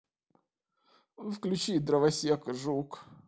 включи дровосек жук